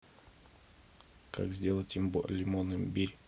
как сделать лимон имбирь